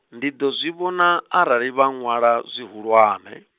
ndi ḓo zwi vhona, arali vha ṅwala, zwihulwane.